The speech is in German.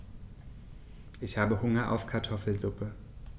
Ich habe Hunger auf Kartoffelsuppe.